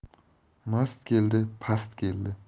mast keldi past keldi